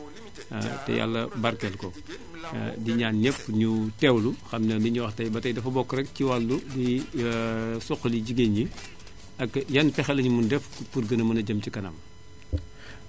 te Yàlla barkeel ko di ñaan ñépp ñu teewlu xam ne li ñuy wax tay ba tay dafa bokk rekk ci wàllu suqali jigéen ñi ak yan pexe la ñu mën a def pour gën a mën a jëm ca kanam